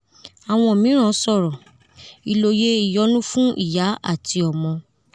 Awọn miiran sọrọ: Iloye iyọnu fun iya ati ọmọ.